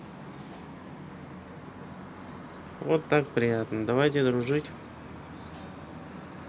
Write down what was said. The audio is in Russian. вот так приятна давайте дружить